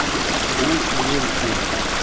Бу мильфей.